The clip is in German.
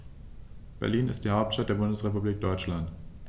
Berlin ist die Hauptstadt der Bundesrepublik Deutschland.